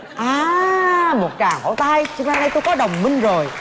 a một tràng pháo tay từ nay tui có đồng minh rồi